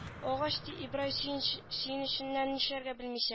Агач ди ибрай сөен сөенеченнән нишләргә белмичә